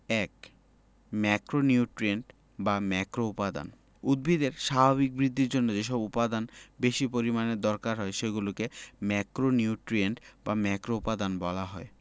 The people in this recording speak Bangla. ১ ম্যাক্রোনিউট্রিয়েন্ট বা ম্যাক্রোউপাদান উদ্ভিদের স্বাভাবিক বৃদ্ধির জন্য যেসব উপাদান বেশি পরিমাণে দরকার হয় সেগুলোকে ম্যাক্রোনিউট্রিয়েন্ট বা ম্যাক্রোউপাদান বলা হয়